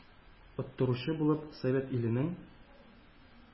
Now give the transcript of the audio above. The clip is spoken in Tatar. Оттыручы булып, совет иленең,